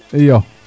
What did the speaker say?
iyo